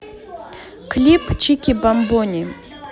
клип чики бамбони